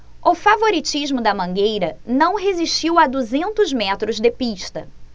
o favoritismo da mangueira não resistiu a duzentos metros de pista